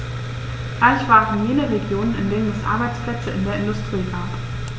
Reich waren jene Regionen, in denen es Arbeitsplätze in der Industrie gab.